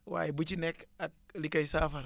waaye bu ci nekk ak li kay saafara